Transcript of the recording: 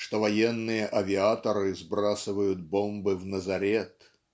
что военные авиаторы сбрасывают бомбы в Назарет".